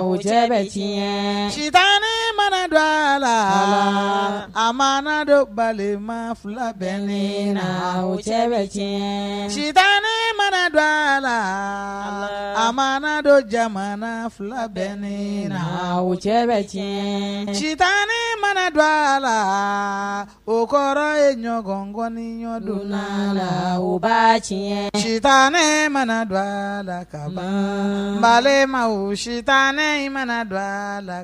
wo cɛ bɛɲɛ sita ne mana don a la a ma dɔ balima fila bɛ le wo cɛ bɛ cɛ si ne mana dɔ a la a mana don jamana fila bɛ ne wo cɛ bɛ tiɲɛ sita mana don a la o kɔrɔ ye ɲɔgɔnkɔni ɲɔgɔndon la la ba tiɲɛta ne mana don a la ka balima wo sita ne mana don a la